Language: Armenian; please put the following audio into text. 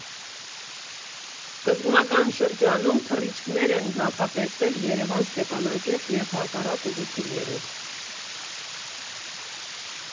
Սկզբնական շրջանում թռիչքներ են նախատեսվել Երևան֊Ստեփանակերտ և հակառակ ուղղություններով։